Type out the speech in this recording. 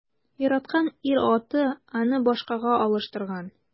Яраткан ир-аты аны башкага алыштырган.